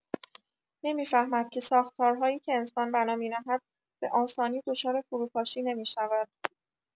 نمی‌فهمد که ساختارهایی که انسان بنا می‌نهد به‌آسانی دچار فروپاشی نمی‌شود.